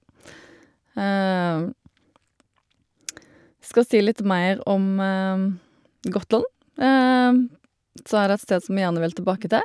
Skal si litt mer om Gotland, så er det et sted som jeg gjerne vil tilbake til.